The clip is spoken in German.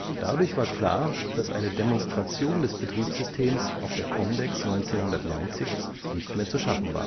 Dadurch war klar, dass eine Demonstration des Betriebssystems auf der COMDEX 1990 nicht mehr zu schaffen